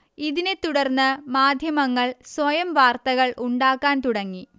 ഇതിനെ തുടർന്ന് മാധ്യമങ്ങൾ സ്വയം വാർത്തകൾ ഉണ്ടാക്കാൻ തുടങ്ങി